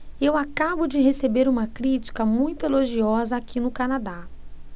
eu acabo de receber uma crítica muito elogiosa aqui no canadá